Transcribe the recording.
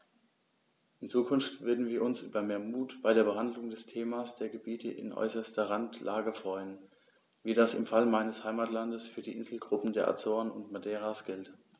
In Zukunft würden wir uns über mehr Mut bei der Behandlung des Themas der Gebiete in äußerster Randlage freuen, wie das im Fall meines Heimatlandes für die Inselgruppen der Azoren und Madeiras gilt.